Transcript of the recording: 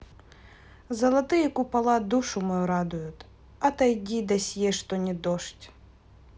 золотые купола душу мою радуют отойди досье что не дождь